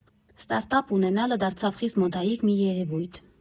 Ստարտափ ունենալը դարձավ խիստ մոդայիկ մի երևույթ։